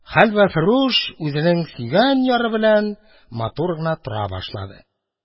Хәлвәфрүш үзенең сөйгән яры белән матур гына тора башлады.